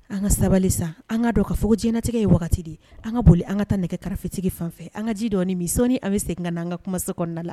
An ka sabali san an ka don ka fɔ jtigɛ ye wagati de an ka boli an ka taa nɛgɛ karafetigi fan fɛ an ka ji dɔ ni mini an bɛ segin ka' an ka kuma so kɔnɔnada la